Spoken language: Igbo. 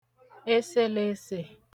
èsèlèèsè